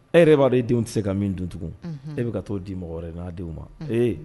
E yɛrɛ b'a de denw tɛ se ka min dun tugun e bɛ ka to di mɔgɔ wɛrɛ n'a denw ma ee